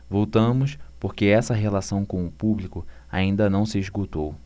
voltamos porque essa relação com o público ainda não se esgotou